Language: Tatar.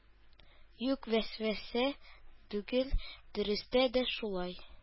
Юк, вәсвәсә түгел, дөрестә дә шулай.